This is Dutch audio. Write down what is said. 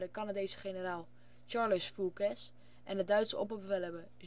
Canadese generaal Charles Foulkes en